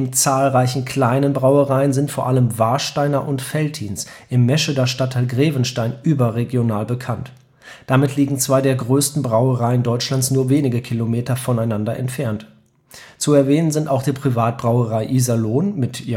zahlreichen kleinen Brauereien sind vor allem Warsteiner und Veltins im Mescheder Stadtteil Grevenstein überregional bekannt. Damit liegen zwei der größten Brauereien Deutschlands nur wenige Kilometer voneinander entfernt. Zu erwähnen sind auch die Privatbrauerei Iserlohn mit